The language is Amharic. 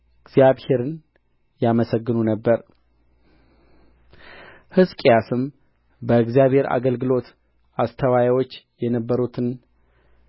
እግዚአብሔርን ያመሰግኑ ነበር ሕዝቅያስም በእግዚአብሔር አገልግሎት አስተዋዮች የነበሩትን